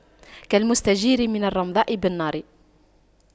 كالمستجير من الرمضاء بالنار